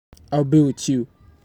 I'll be with you.